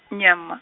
nnyaa mma.